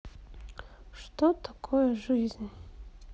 что такое жизнь